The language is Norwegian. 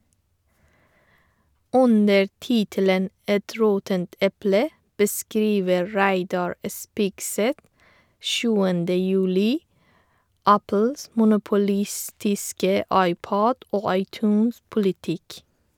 Under tittelen «Et råttent eple» beskriver Reidar Spigseth 7. juli Apples monopolistiske iPod- og iTunes-politikk.